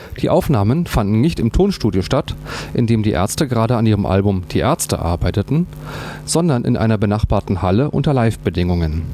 Die Aufnahmen fanden nicht im Tonstudio statt, in dem die Ärzte gerade an ihrem Album „ Die Ärzte “arbeiteten, sondern in einer benachbarten Halle unter Live-Bedingungen